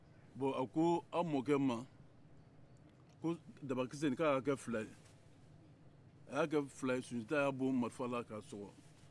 bɔn a ko an mɔkɛ ma ko dabakisɛ in ko a kɛ fila ye a y'a kɛ fila ye sunjata y'a bon marifa la k'a sɔgɔ